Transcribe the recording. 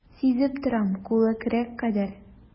Сизеп торам, кулы көрәк кадәр.